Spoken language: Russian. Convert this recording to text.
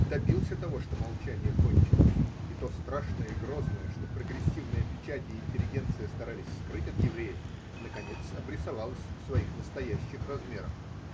добился того, что молчание кончилось, и то страшное и грозное, что прогрессивная печать и интеллигенция старались скрыть от евреев, наконец обрисовалось в своих настоящих размерах.